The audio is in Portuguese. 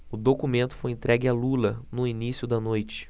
o documento foi entregue a lula no início da noite